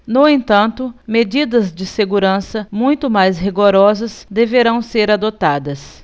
no entanto medidas de segurança muito mais rigorosas deverão ser adotadas